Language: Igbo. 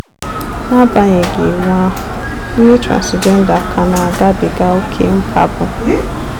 Na-agbanyeghị iwu ahụ, ndị transịjemda ka na-agabiga oke mkpagbu.